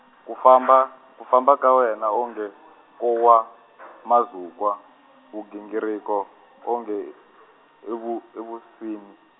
ku famba, ku famba ka wena o nge , ko wa mazukwa , vugingiriko onge, i vu-, i vunsini.